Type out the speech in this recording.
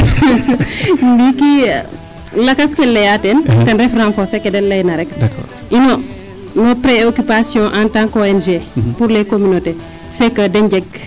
ndiiki lakas ke im leyaa teen ten ref renforcer keen leyna rek ino no preoccupation en tant que ONG pour les communauté c' est que de njeg